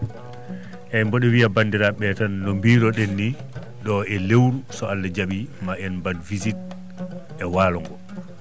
eyyi mboɗo wiya banndiraaɓe tan no binoɗen ni ɗo e lewru so Allha jaaɓi ma en visite e walo ngo